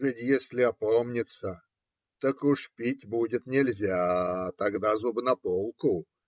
Ведь если опомниться, так уж пить будет нельзя: тогда зубы на полку.